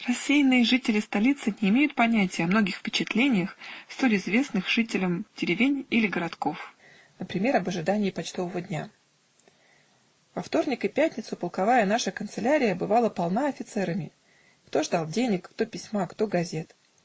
Рассеянные жители столицы не имеют понятия о многих впечатлениях, столь известных жителям деревень или городков, например об ожидании почтового дня: во вторник и пятницу полковая наша канцелярия бывала полна офицерами: кто ждал денег, кто письма, кто газет.